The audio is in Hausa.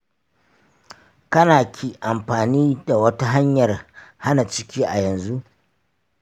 kana/ki amfani da wata hanyar hana ciki a yanzu?